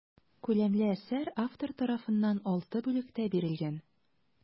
Күләмле әсәр автор тарафыннан алты бүлектә бирелгән.